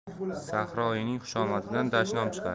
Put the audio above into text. sahroyining xushomadidan dashnom chiqar